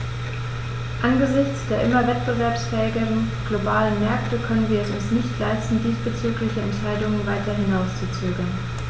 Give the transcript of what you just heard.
Angesichts der immer wettbewerbsfähigeren globalen Märkte können wir es uns nicht leisten, diesbezügliche Entscheidungen weiter hinauszuzögern.